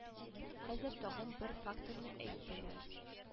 Хәзер тагын бер факторны әйтәләр